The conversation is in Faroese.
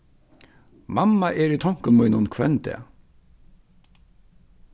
mamma er í tonkum mínum hvønn dag